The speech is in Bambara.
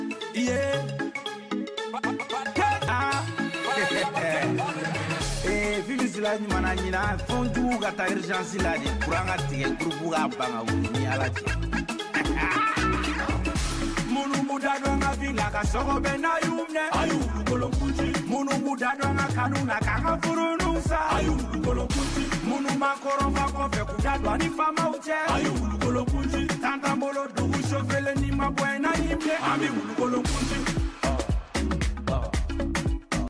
Kɛ fisi ɲuman ɲinijugu tigɛ minnuja so a wulukolokun minnu a kasa a wulukolo minnukɔrɔma kɔfɛ ni fa cɛ a wukolokun tangolofɛ ni ma a wukolo